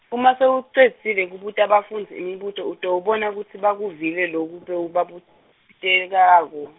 uma sewucedzile kubuta bafundzi imibuto utawubona kutsi bakuvile loku bewubatekela ko-.